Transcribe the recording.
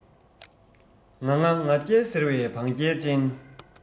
ང ང ང རྒྱལ ཟེར བའི བང རྒྱལ ཅན